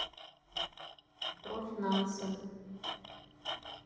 про финансы